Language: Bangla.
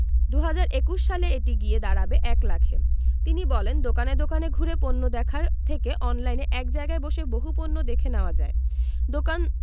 ২০২১ সালে এটি গিয়ে দাঁড়াবে ১ লাখে তিনি বলেন দোকানে দোকানে ঘুরে পণ্য দেখার থেকে অনলাইনে এক জায়গায় বসে বহু পণ্য দেখে নেওয়া যায় দোকান